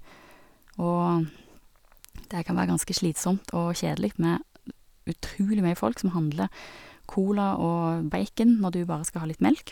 Og det kan være ganske slitsomt og kjedelig med utrolig mye folk som handler Cola og bacon når du bare skal ha litt melk.